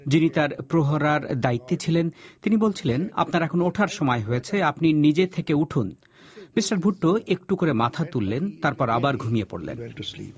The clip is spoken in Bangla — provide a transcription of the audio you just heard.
যিনি তাঁর প্রহরার দায়িত্বে ছিলেন তিনি বলছিলেন আপনার এখন ওঠার সময় হয়েছে আপনি নিজে থেকে উঠুন মিস্টার ভুট্টো একটু করে মাথা তুললেন তারপর আবার ঘুমিয়ে পড়লেন ওয়েন্ট টু দা স্লিপ